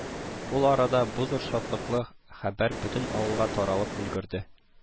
Ул арада бу зур шатлыклы хәбәр бөтен авылга таралып өлгерде